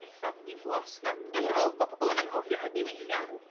petha diflas 'na... Ia. ...a dwi me'wl ma' pobol yn anghofio hynny weithia'.